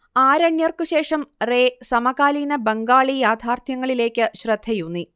ആരണ്യർക്ക് ശേഷം റേ സമകാലീന ബംഗാളി യാഥാർത്ഥ്യങ്ങളിലേയ്ക്ക് ശ്രദ്ധയൂന്നി